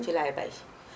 ci laay bay